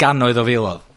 gannoedd o filodd?